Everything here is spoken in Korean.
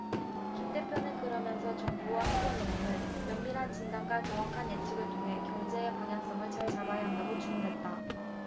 김 대표는 그러면서 정부와 한국은행은 면밀한 진단과 정확한 예측을 통해 경제의 방향성을 잘 잡아야 한다고 주문했다